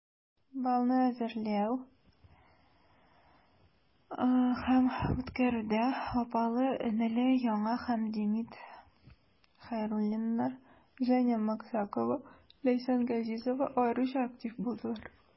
Балны әзерләү һәм үткәрүдә апалы-энеле Яна һәм Демид Хәйруллиннар, Женя Максакова, Ләйсән Газизова аеруча актив булдылар.